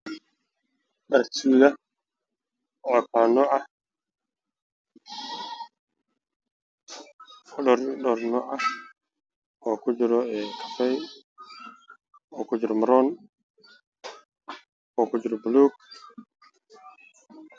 Waa dhar suud ah oo dhowr nooc ah